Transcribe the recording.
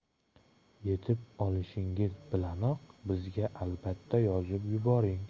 yetib olishingiz bilanoq bizga albatta yozib yuboring